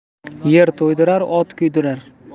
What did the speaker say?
yer to'ydirar o't kuydirar